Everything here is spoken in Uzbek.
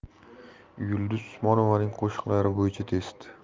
yulduz usmonovaning qo'shiqlari bo'yicha test